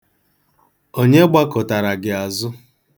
Onye gbakụtara gị azụ?